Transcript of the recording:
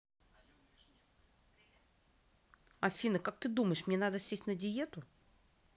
афина как ты думаешь мне надо сесть на диету